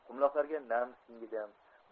qumloqlarga nam singidi